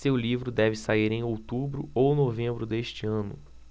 seu livro deve sair em outubro ou novembro deste ano